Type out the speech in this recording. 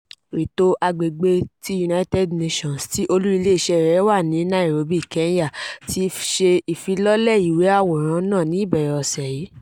Ètò Agbègbè tí United Nations, tí olú ilé-iṣẹ́ rẹ̀ wà ní Nairobi, Kenya ti ṣe ìfilọ́lẹ̀ ìwé àwòrán náà ní ìbẹ̀rẹ̀ ọ̀sẹ̀ yìí.